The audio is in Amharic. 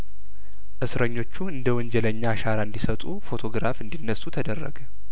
እስረኞቹ እንደወንጀለኛ አሻራ እንዲሰጡ ፎቶ ግራፍ እንዲ ነሱ ተደረገ